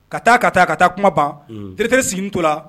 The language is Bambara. Ka taa ka taa ka taa kuma ban n' direction sigilen tola